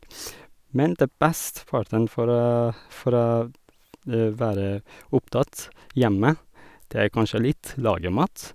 Men det best parten for å for å være opptatt, hjemme, det er kanskje litt lage mat.